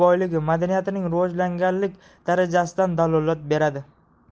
boyligi madaniyatining rivojlanganlik darajasidan dalolat beradi